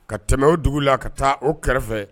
Ka tɛmɛ o dugu la ka taa o kɛrɛfɛ